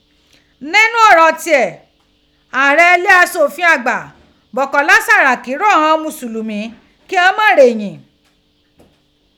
Ninu ọrọ tiẹ, aarẹ ile aṣofin agba, Bukọla Saraki rọ ighan musulumi ki ghan mo reyìn.